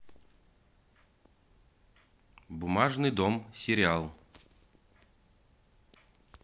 бумажный дом сериал